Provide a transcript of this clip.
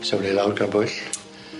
'S ewn ni lawr gan bwyll.